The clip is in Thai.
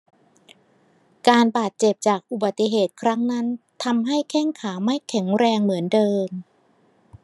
การบาดเจ็บจากอุบัติเหตุครั้งนั้นทำให้แข้งขาไม่แข็งแรงเหมือนเดิม